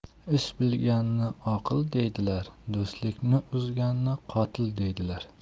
ish bilganni oqil deydilar do'stlikni uzganni qotil deydilar